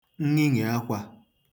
nṅiṅè akwā